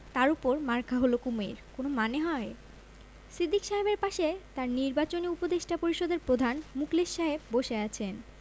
তার উপর মার্কা হল কুমীর কোন মানে হয় সিদ্দিক সাহেবের পাশে তাঁর নিবাচনী উপদেষ্টা পরিষদের প্রধান মুখলেস সাহেব বসে আছেন